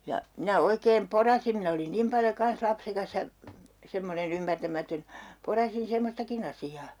ja minä oikein porasin minä olin niin paljon kanssa lapsekas ja semmoinen ymmärtämätön porasin semmoistakin asiaa